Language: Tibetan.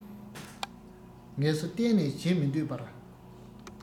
ངལ གསོ གཏན ནས བྱེད མི འདོད པར